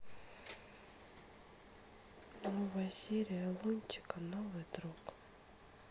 новая серия лунтика новый друг